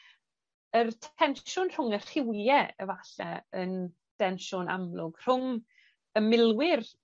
yr tensiwn rhwng y rhywie efalle yn densiwn amlwg, rhwng y milwyr